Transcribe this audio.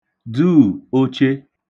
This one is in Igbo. duù ochē